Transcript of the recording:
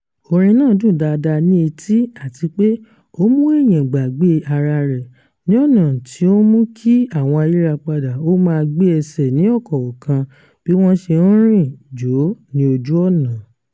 Orin náà dún dáadáa ní etí àti pé ó mú èèyàn gbàgbé ara rẹ̀, ní ọ̀nà tí ó ń mú kí àwọn ayírapadà ó máa gbé ẹsẹ̀ ní ọ̀kọ̀ọ̀kan bí wọ́n ṣe ń rìn/jó ní ojú ọ̀nà.